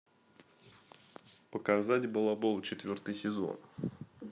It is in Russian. показать балабол четвертый сезон